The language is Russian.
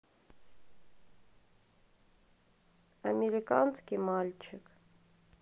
американский мальчик